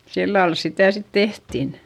sillä lailla sitä sitten tehtiin